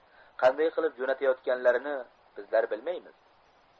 qanday qilib jo'natayotganlarini bizlar bilmaymiz